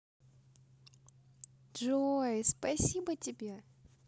джой спасибо тебе